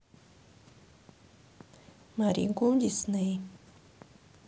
мари гу дисней